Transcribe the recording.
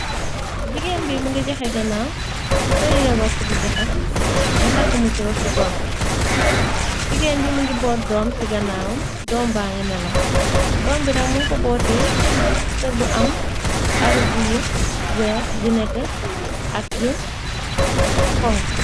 Jigéen bi më nga jahe ganaaw sol yire wagsi bu jahas mu tàkk mu soor ci bop bi. Jigéen bi mëngi boot doom ci ganaawam doombaa ngi nelaw, doom bi nak mun ko boote sër bu am ay radu yu weeh yu nete ak yu honku.